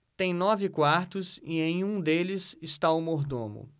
tem nove quartos e em um deles está o mordomo